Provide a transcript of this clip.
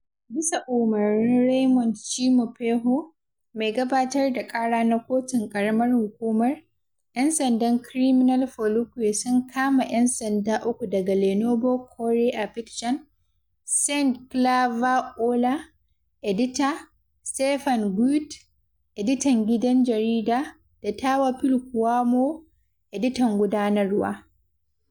Bisa umarnin Raymond Tchimou Fehou, mai gabatar da ƙara na kotun ƙaramar hukumar, 'yan sandan Criminal Policwe sun kama ‘yan jarida uku daga Le Nouveau Courrier d’Abidjan, Saint Claver Oula, edita, Steéphane Guédé, editan gidan jarida, da Théophile Kouamouo, editan gudanarwa.